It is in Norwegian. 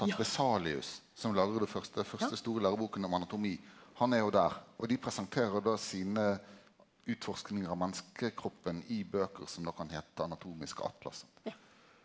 at Vesalius som lagar det første første store læreboka om anatomi, han er jo der, og dei presenterer då sine utforskingar av menneskekroppen i bøker som då kan heite anatomiske atlas.